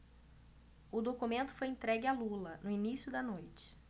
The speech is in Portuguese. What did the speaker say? o documento foi entregue a lula no início da noite